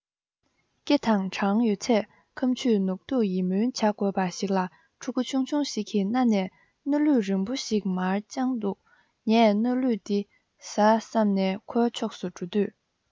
སྐེ དང བྲང ཡོད ཚད ཁམ ཆུས ནོག འདུག ཡིད སྨོན བྱ དགོས པ ཞིག ལ ཕྲུ གུ ཆུང ཆུང ཞིག གི སྣ ནས སྣ ལུད རིང པོ ཞིག མར དཔྱངས འདུག ངས སྣ ལུད དེ བཟའ བསམས ནས ཁོའི ཕྱོགས སུ འགྲོ དུས